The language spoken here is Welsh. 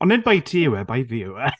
Ond nid bai ti yw e, bai fi yw e.